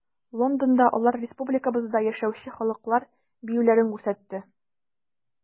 Лондонда алар республикабызда яшәүче халыклар биюләрен күрсәтте.